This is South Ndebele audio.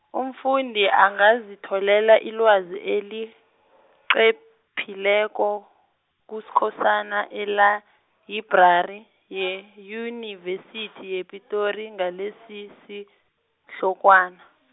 umfundi angazitholela ilwazi eliqophileko, kuSkhosana elayibrari, yeyunivesithi yePitori, ngalesisihlokwana.